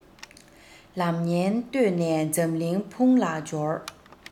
ལམ ངན བཏོད ནས འཛམ གླིང འཕུང ལ སྦྱོར